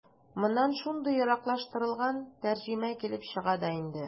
Моннан шундый яраклаштырылган тәрҗемә килеп чыга да инде.